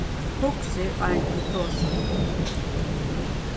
hugsið áðrenn tit tosa